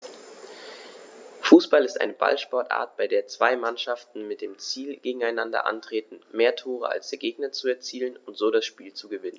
Fußball ist eine Ballsportart, bei der zwei Mannschaften mit dem Ziel gegeneinander antreten, mehr Tore als der Gegner zu erzielen und so das Spiel zu gewinnen.